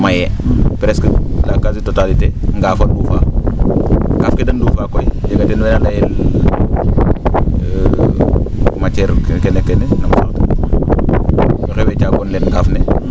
mayee presque la quasi totalité ngaaf a nduufaa kaaf ke de nduufaa koy a jegaa ten a leyel matiere kene keene maxey wecaa gon le ngaaf ne